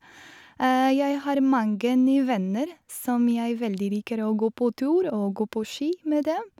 Jeg har mange ny venner som jeg veldig liker å gå på tur og gå på ski med dem.